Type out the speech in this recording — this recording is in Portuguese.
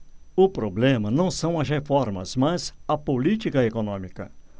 o problema não são as reformas mas a política econômica